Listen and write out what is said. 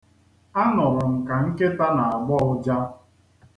A nụrụ m ka nkịta na-agbọ ụja.